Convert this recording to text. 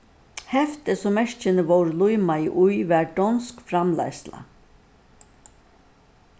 heftið sum merkini vórðu límaði í var donsk framleiðsla